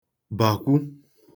bàkwu